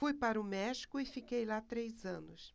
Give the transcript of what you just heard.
fui para o méxico e fiquei lá três anos